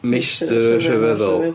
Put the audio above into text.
Meistr y Rhyfeddol.